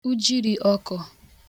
ujiriọkọ